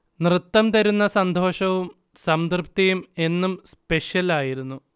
നൃത്തം തരുന്ന സന്തോഷവും സംതൃപ്തിയും എന്നും സ്പെഷൽ ആയിരുന്നു